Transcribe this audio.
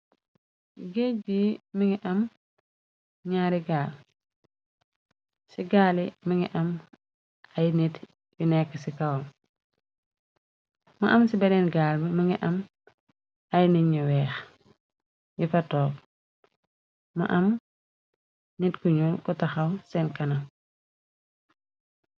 géej bi mi ngi am ñaari gaal ci gaali mi ngi am ay nit yu nekk ci kawal mu am ci beneen gaal bi mi ngi am ay nit ñu weex yi fa toog mu am nit ku ñoo ko taxaw seen kana